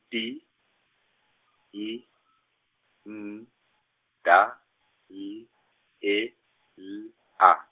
T, I, N, D, L, E, L, A.